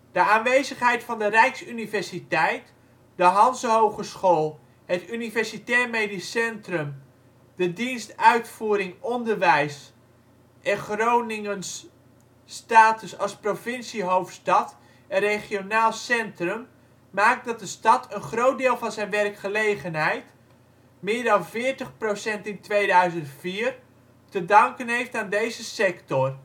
De aanwezigheid van de Rijksuniversiteit, de Hanzehogeschool, het Universitair Medisch Centrum, de Dienst Uitvoering Onderwijs en Groningens status als provinciehoofdstad en regionaal centrum maakt dat de stad een groot deel van zijn werkgelegenheid (meer dan 40 % in 2004) te danken heeft aan deze sector